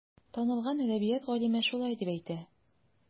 Танылган әдәбият галиме шулай дип әйтә.